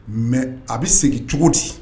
Mɛ a bɛ segin cogo di